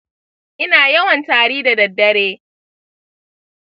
ina yawan tari da daddare.